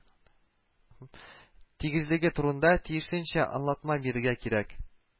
Тигезлеге турында тиешенчә аңлатма бирергә кирәк